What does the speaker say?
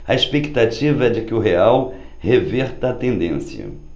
a expectativa é de que o real reverta a tendência